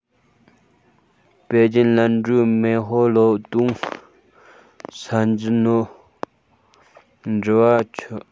པེ ཅིན ལན ཀྲོའུ མེན ཧོ ལོ ཏུའུ ས འགྱོ ནོ འགྲུལ བ ཆོ འདི ནས འཕྲེང སྒྲིགས གས གྲ སྒྲིག བྱོས